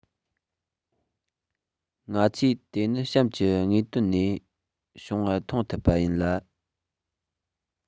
ང ཚོས དེ ནི གཤམ གྱི དངོས དོན ནས བྱུང བ མཐོང ཐུབ པ ཡིན ལ